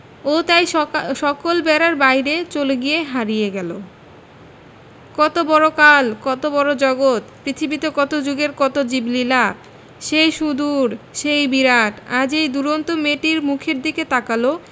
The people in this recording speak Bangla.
ও তাই সক সকল বেড়ার বাইরে চলে গিয়ে হারিয়ে গেল কত বড় কাল কত বড় জগত পৃথিবীতে কত যুগের কত জীবলীলা সেই সুদূর সেই বিরাট আজ এই দুরন্ত মেয়েটির মুখের দিকে তাকাল